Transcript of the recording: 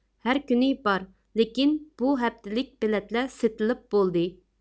ھەركۈنى بار لېكىن بۇ ھەپتىلىك بېلەتلەر سېتىلىپ بولدى